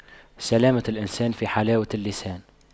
سلامة الإنسان في حلاوة اللسان